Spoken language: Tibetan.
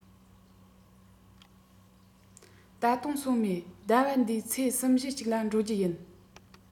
ད དུང སོང མེད ཟླ བ འདིའི ཚེས གསུམ བཞིའི གཅིག ལ འགྲོ རྒྱུུ ཡིན